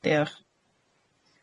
Dioch.